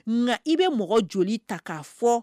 Nka i bɛ mɔgɔ joli ta k'a fɔ